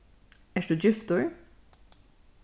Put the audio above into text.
ert tú giftur